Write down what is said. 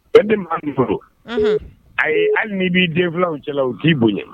Fɛn tɛ maa min bolo, unhun, ayi hali ni b'i denfilanw jala u t'i bonya.